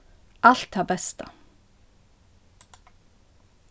alt tað besta